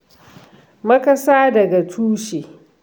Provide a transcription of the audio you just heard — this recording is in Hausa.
Makasa daga tushe